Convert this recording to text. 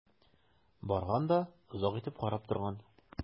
Барган да озак итеп карап торган.